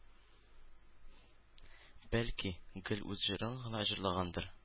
Бәлки, гел үз җырын гына җырлагандыр